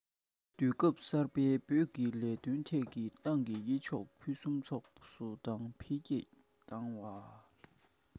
དུས སྐབས གསར པའི བོད ཀྱི ལས དོན ཐད ཀྱི ཏང གི བྱེད ཕྱོགས ཕུན སུམ ཚོགས སུ དང འཕེལ རྒྱས བཏང བ